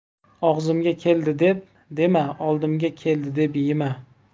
og'zimga keldi deb dema oldimga keldi deb yema